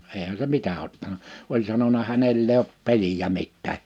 eihän se mitä ottanut oli sanonut hänellä en ole peliä mitään